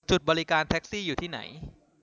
จุดบริการแท็กซี่อยู่ที่ไหน